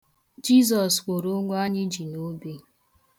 Jizọs kwụrụ ụgwọ anyị ji n'obe.